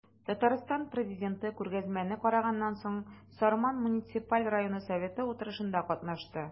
Татарстан Президенты күргәзмәне караганнан соң, Сарман муниципаль районы советы утырышында катнашты.